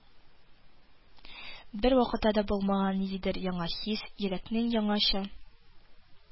Бервакытта да булмаган ниндидер яңа хис, йөрәкнең яңача